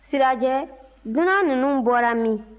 sirajɛ dunan ninnu bɔra min